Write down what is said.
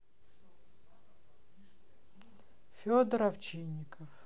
федор овчинников